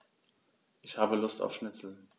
Ich habe Lust auf Schnitzel.